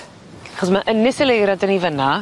Achos ma' Ynys y Leurad 'da ni fan'na